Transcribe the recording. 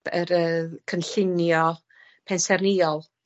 yr yy cynllunio pensaerniol,